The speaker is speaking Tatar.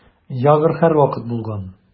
Ягр һәрвакыт булган.